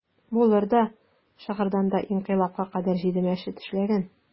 Булыр да, Шыгырданда инкыйлабка кадәр җиде мәчет эшләгән.